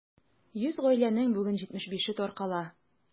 100 гаиләнең бүген 75-е таркала.